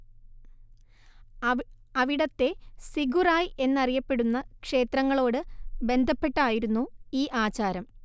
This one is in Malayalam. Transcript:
അവിടത്തെ സിഗുറായി എന്നറിയപ്പെടുന്ന ക്ഷേത്രങ്ങളോട് ബന്ധപ്പെട്ടായിരുന്നു ഈ ആചാരം